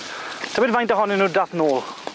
Tybed faint ohonyn nw dath nôl?